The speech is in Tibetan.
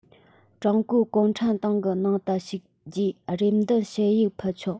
ཀྲུང གོའི གུང ཁྲན ཏང གི ནང དུ ཞུགས རྒྱུའི རེ འདུན ཞུ ཡིག ཕུལ ཆོག